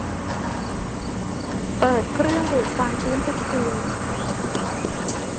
เปิดเครื่องดูดความชื้นทุกคืน